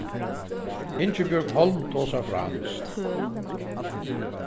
ingibjørg holm tosar franskt